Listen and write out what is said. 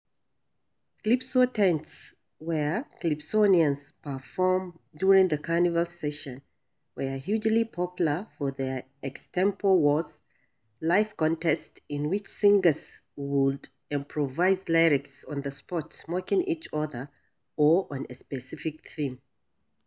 Calypso tents, where calypsonians perform during the Carnival season, were hugely popular for their "extempo wars", live contests in which singers would improvise lyrics on the spot mocking each other, or on a specific theme.